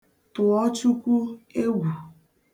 Tụọ Chukwu egwu.